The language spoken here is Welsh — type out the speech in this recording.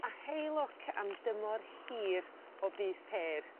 A hei lwc am dymor hir o bys pêr.